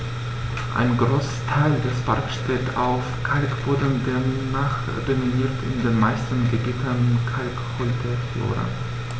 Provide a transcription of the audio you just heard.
Ein Großteil des Parks steht auf Kalkboden, demnach dominiert in den meisten Gebieten kalkholde Flora.